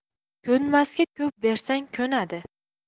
ko'nmasga ko'p bersang ko'nadi